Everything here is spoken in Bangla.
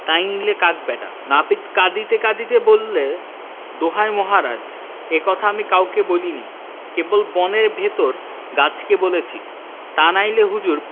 তাই নিলে কাক ব্যাটা নাপিত কঁদিতে কঁদিতে বললে দোহাই মহারাজ এ কথা আমি কাউকে বলিনি কেবল বনের ভিতর গাছকে বলেছি তা নইলে হুজুর